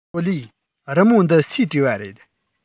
ཞོའོ ལིའི རི མོ འདི སུས བྲིས པ རེད